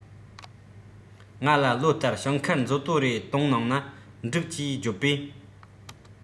ང ལ ལོ ལྟར ཞིང ཁ མཛོ དོར རེ གཏོང གནང ན འགྲིག ཅེས བརྗོད པས